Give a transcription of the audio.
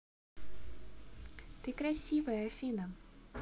ты красивая афина